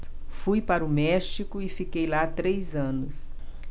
fui para o méxico e fiquei lá três anos